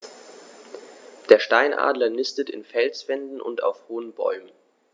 Der Steinadler nistet in Felswänden und auf hohen Bäumen.